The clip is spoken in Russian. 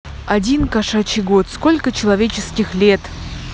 один кошачий год сколько человеческих лет